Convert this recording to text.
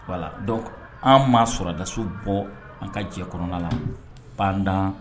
Dɔn an' sɔrɔdaso bɔ an ka jɛ kɔnɔna la pand